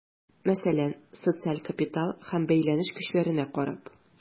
Мәсәлән, социаль капитал һәм бәйләнеш көчләренә карап.